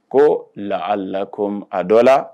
Ko laalakumu a dɔ la